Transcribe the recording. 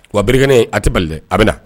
Wa birikkɛnen a tɛ bali a bɛ na